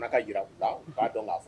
A jira dɔn